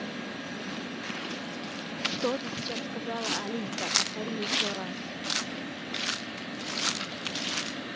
что ты сейчас сказала алиса повтори еще раз